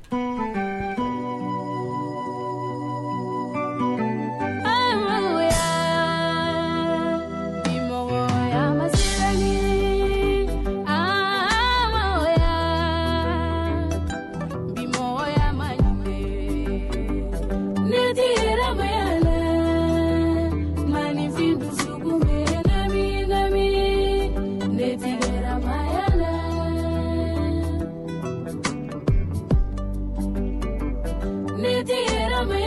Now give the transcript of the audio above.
Go faama yo lelitigi le masoninsonin ledi labanlitigi